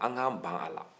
an k'an ban a la